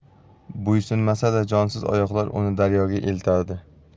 bo'ysunmasa da jonsiz oyoqlar uni daryoga eltadi